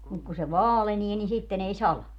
mutta kun se vaalenee niin sitten ei sada